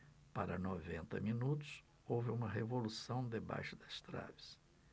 para noventa minutos houve uma revolução debaixo das traves